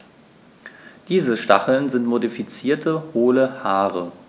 Diese Stacheln sind modifizierte, hohle Haare.